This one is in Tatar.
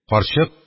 Карчык,